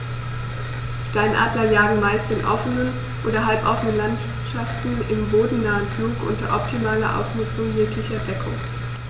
Steinadler jagen meist in offenen oder halboffenen Landschaften im bodennahen Flug unter optimaler Ausnutzung jeglicher Deckung.